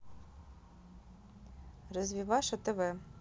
развиваша тв